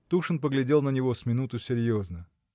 Тушин поглядел на него с минуту серьезно.